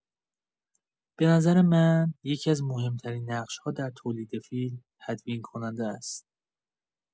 به نظر من، یکی‌از مهم‌ترین نقش‌ها در تولید فیلم، تدوین‌کننده است.